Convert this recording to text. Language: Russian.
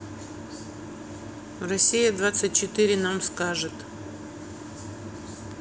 россия двадцать четыре нам скажет